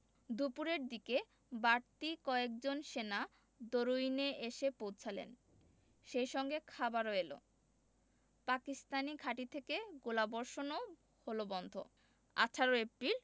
দুপুরের দিকে বাড়তি কয়েকজন সেনা দরুইনে এসে পৌঁছালেন সেই সঙ্গে খাবারও এলো পাকিস্তানি ঘাঁটি থেকে গোলাবর্ষণও হলো বন্ধ ১৮ এপ্রিল